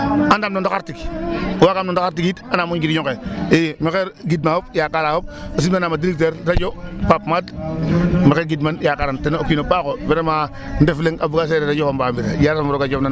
A ndam no ndaxar tig waagaam no ndaxar tig it andaam o njiriñ onqe i mexey gidma fop yakaara fop o simna nam a directeur radio Pape Made mexey gidman yakaaran ten o o kiin o paax o vraiment Ndef Leng a buga a seereer a jofa mbamir yaasam roog a jofnan